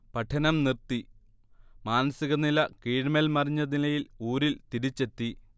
പഠനം നിർത്തി, മാനസികനില കീഴ്മേൽ മറിഞ്ഞനിലയിൽ ഊരിൽ തിരിച്ചെത്തി